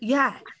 Ie.